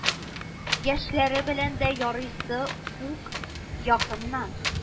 Яшьләре белән дә ярыйсы ук якыннан